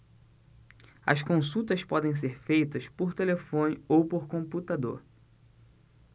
as consultas podem ser feitas por telefone ou por computador